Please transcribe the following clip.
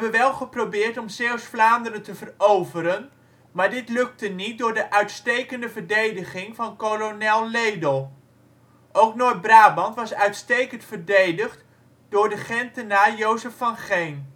wel geprobeerd om Zeeuws-Vlaanderen te veroveren, maar dit lukte niet door de uitstekende verdediging van kolonel Ledel. Ook Noord-Brabant was uitstekend verdedigd door de Gentenaar Jozef van Geen